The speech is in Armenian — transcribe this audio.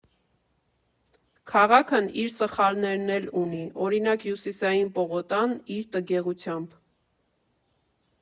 Քաղաքն իր սխալներն էլ ունի, օրինակ՝ Հյուսիսային պողոտան, իր տգեղությամբ։